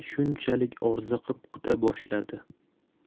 shunchalik orziqib kuta boshladi